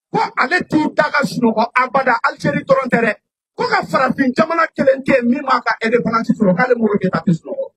Ko ale t'i da ka sunɔgɔ abada Algérie dɔrɔn te dɛ, ko k'a farafin jamana 1 tɛ yen min m'a ka indépendance sɔrɔ k'ale Modibo Keyita tɛ sunɔgɔ.